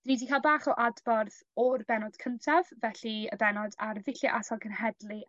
ni 'di ca'l bach o adborth o'r bennod cyntaf felly y bennod ar ddullie atal cenhedlu